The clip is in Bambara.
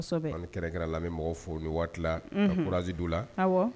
Ni kɛra kɛra lamɛn mɔgɔw fo ni waatizdu la